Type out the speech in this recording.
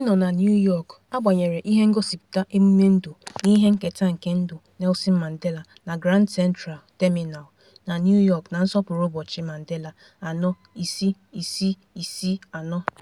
N'ịnọ na New York, a gbanyere ihe ngosipụta emume ndụ na ihe nketa nke ndụ Nelson Mandela na Grand Central Terminal na New York na nsọpụrụ ụbọchị Mandela 46664.